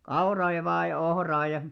kauraa ja vain ja ohraa ja